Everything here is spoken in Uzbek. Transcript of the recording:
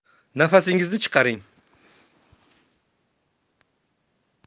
nafasingizni chiqaring